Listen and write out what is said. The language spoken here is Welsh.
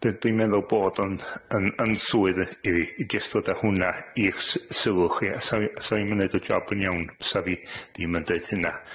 Dw- dwi'n meddwl bod o'n yn yn swydd i fi i jyst ddod â hwn'na i'ch s- sylwch chi, a 'sa fi- 'sa fi'm yn neud y job yn iawn 'sa fi dim yn deud hynna.